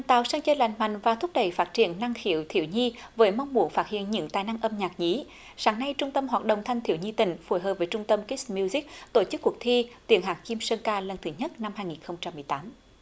tạo sân chơi lành mạnh và thúc đẩy phát triển năng khiếu thiếu nhi với mong muốn phát hiện những tài năng âm nhạc nhí sáng nay trung tâm hoạt động thanh thiếu nhi tỉnh phối hợp với trung tâm kích mưu rích tổ chức cuộc thi tiếng hát chim sơn ca lần thứ nhất năm hai nghìn không trăm mười tám